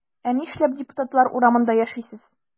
Ә нишләп депутатлар урамында яшисез?